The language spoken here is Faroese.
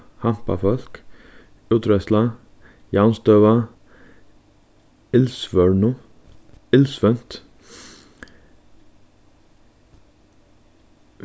hampafólk útreiðsla javnstøða illsvøvnt